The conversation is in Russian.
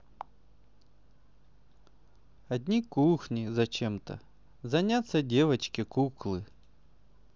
одни кухни зачем то заняться девочки куклы